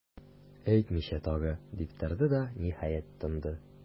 Әйтмичә тагы,- дип торды да, ниһаять, тынды.